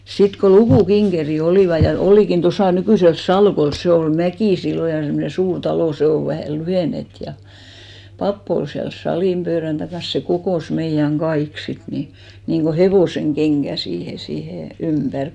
sitten kun lukukinkerit olivat ja olikin tuossa nykyisellä Salkolla se oli Mäki silloin ja semmoinen suuri talo se on vähä lyhennetty ja pappi oli siellä salin pöydän takana se kokosi meidän kaikki sitten niin niin kuin hevosenkenkään siihen siihen ympäri